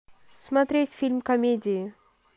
смотреть фильм комедии